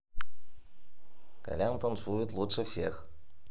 колян танцует лучше всех